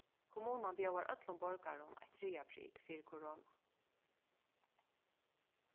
kommunan bjóðar øllum borgarum eitt triðja prik fyri korona